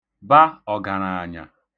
ba ọ̀ġàràànyà